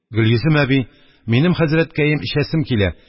Гөлйөзем әби: – Минем, хәзрәткәем, эчәсем килә